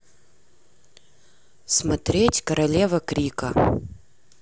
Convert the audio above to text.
смотреть королева крика